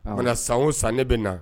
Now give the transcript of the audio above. Ka na san o san ne bɛ na